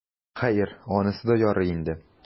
Хәер, анысы да ярый инде.